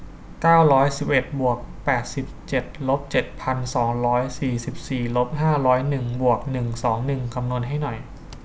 เก้าร้อยสิบเอ็ดบวกแปดสิบเจ็ดลบเจ็ดพันสองร้อยสี่สิบสี่ลบห้าร้อยหนึ่งบวกหนึ่งสองหนึ่งคำนวณให้หน่อย